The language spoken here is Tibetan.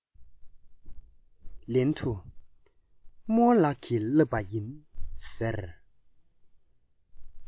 ལན དུ རྨོ ལགས ཀྱིས བསླབས པ ཡིན ཟེར